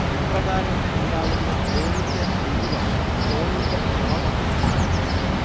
ഇപ്രകാരം ഉണ്ടാവുന്ന കോണിന്റെ വിരിവാണ് കോണിന്റെ അളവായി കണക്കാക്കുന്നത്